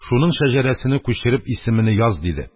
«шуның шәҗәрәсене күчереп, исемене яз», – диде.